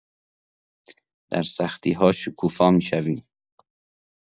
در سختی‌ها شکوفا می‌شویم.